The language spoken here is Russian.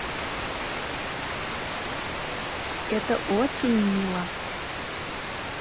это очень мило